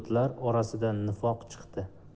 bulutlar orasida nifoq chiqdi